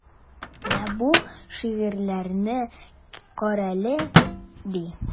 Менә бу шигырьләрне карале, ди.